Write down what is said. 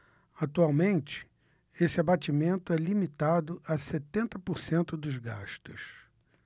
atualmente esse abatimento é limitado a setenta por cento dos gastos